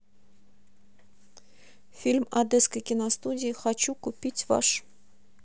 фильм одесской киностудии хочу купить ваш